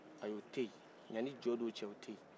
ay'o tɛye yani jɔn don cɛ u tɛye